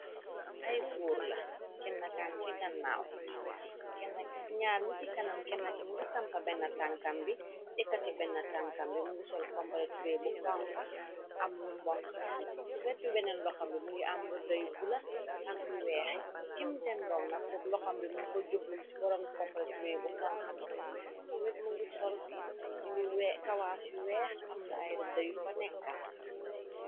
Ay góor la kennkan ci gannaaw kenn ñaal ñi ci kanam kennkim ngi sampa benn tankam bi dekati benn tankam bi mu ngi sol komporé tubéy bu xonka am lu mboxx ci betu beneen loxam bi mu ngi am rëddayu bula ak yu weex kim dendoŋ nakuk loxam bi mun ko jublul ci boroom comporé tubé bu xonka bi mu mit mu ngi sol lu kawaas yu weex amna ay rëdda yu fa nekka.